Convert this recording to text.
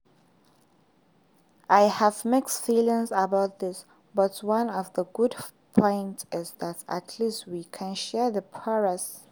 I have mixed feelings about this, but one of the good points is that at least we can spare the forests.